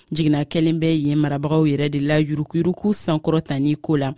jigin-n-na kɛlen bɛ yen marabagaw yɛrɛ de la yuruguyurugu sankɔrɔtali ko la